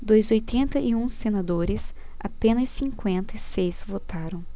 dos oitenta e um senadores apenas cinquenta e seis votaram